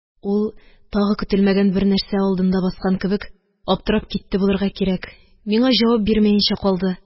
Ул тагы көтелмәгән бернәрсә алдында баскан кебек аптырап китте булырга кирәк, миңа җавап бирмәенчә калды.